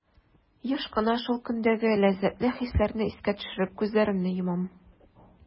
Еш кына шул көндәге ләззәтле хисләрне искә төшереп, күзләремне йомам.